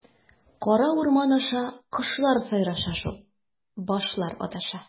Кара урман аша, кошлар сайраша шул, башлар адаша.